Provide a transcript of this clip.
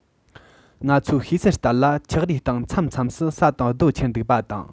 ང ཚོས ཤེས གསལ ལྟར ལ འཁྱགས རིའི སྟེང མཚམས མཚམས སུ ས དང རྡོ ཁྱེར འདུག པ དང